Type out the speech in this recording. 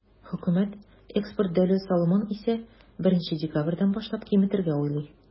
Хөкүмәт экспорт дәүләт салымын исә, 1 декабрьдән башлап киметергә уйлый.